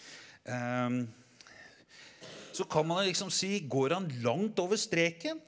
så kan man jo liksom si går han langt over streken?